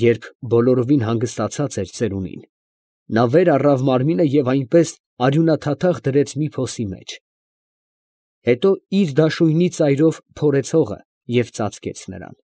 Երբ բոլորովին հանգստացած էր ծերունին, նա վեր առավ մարմինը և այնպես արյունաթաթախ դրեց մի փոսի մեջ. հետո իր դաշույնի ծայրով փորեց հողը, ծածկեց նրան։